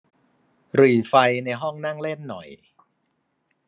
หรี่ไฟในห้องนั่งเล่นหน่อย